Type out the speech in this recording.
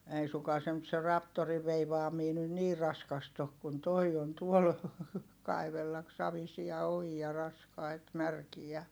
ei suinkaan se nyt se traktorin veivaaminen nyt niin raskasta ole kuin tuo on tuolla kaivella savisia ojia raskaita märkiä